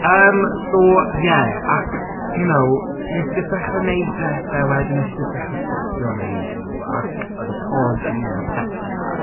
Yym, so ie. Ac you know? Wnes i jyst dechrau wneud pethau wedyn wnes i jyst dechrau stopio wneud nhw ac oedd y pod yn un o'r pethau 'na.